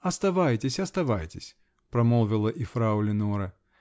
-- Оставайтесь, оставайтесь, -- промолвила и фрау Леноре.